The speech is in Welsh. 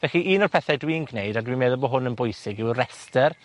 Felly un o'r pethe dwi'n gwneud, a dwi'n meddwl bo' hwn yn bwysig, yw'r restyr.